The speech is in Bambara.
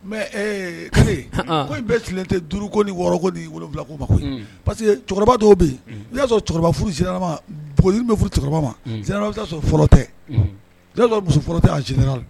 mais Ee Kanɛ ko in bɛɛ sigilen tɛ duuruko ni wɔɔrɔ ni wolo wolonwula ko ma, parce que cɛkɔrɔba dɔw bɛ yen i b'a sɔrɔ cɛkɔrɔba furu sisanlama, npogotigi bɛ furu cɛkɔrɔba ma generalemen i b'a sɔrɔ fɔlɔ tɛ, i bɛ aa sɔrɔ fɔlɔ tɛ en generale